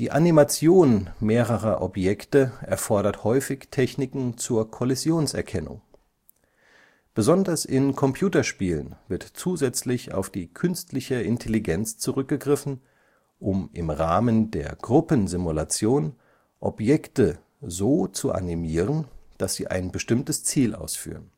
Animation mehrerer Objekte erfordert häufig Techniken zur Kollisionserkennung. Besonders in Computerspielen wird zusätzlich auf die künstliche Intelligenz zurückgegriffen, um im Rahmen der Gruppensimulation Objekte so zu animieren, dass sie ein bestimmtes Ziel ausführen